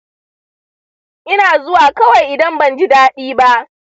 ina zuwa kawai idan ban ji daɗi ba.